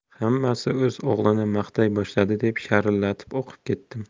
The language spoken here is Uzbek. hammasi o'z o'g'lini maqtay boshladi deb sharillatib o'qib ketdim